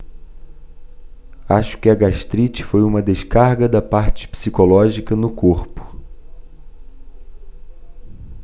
acho que a gastrite foi uma descarga da parte psicológica no corpo